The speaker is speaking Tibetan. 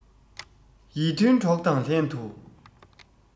ཡིད མཐུན གྲོགས དང ལྷན ཏུ